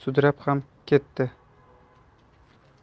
sudrab ham ketdi